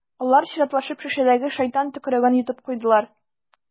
Алар чиратлашып шешәдәге «шайтан төкереге»н йотып куйдылар.